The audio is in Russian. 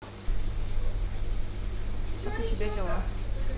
как у тебя дела